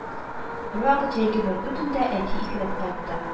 Бервакыт җәйге бөркү төндә әти исереп кайтты